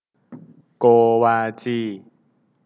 โกวาจี